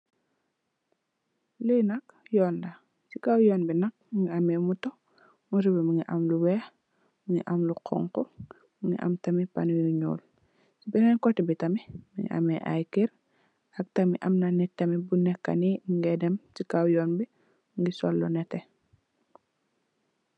Li nak Yoon la , ci kaw yoon bi nak mugii ameh moto, moto bi mugii am lu wèèx, mugii am lu xonxu , mugii am tamit ponu yu ñuul. Ci benen koteh tamid mugii am ay kèr ak tamit am na nit ku nekka ni ci kaw yoon bi mugii sol lu netteh.